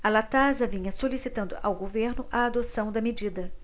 a latasa vinha solicitando ao governo a adoção da medida